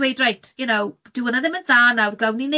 Reit, y'know, dyw hwnne ddim yn dda